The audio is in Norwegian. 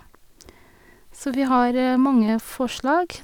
Så vi har mange forslag.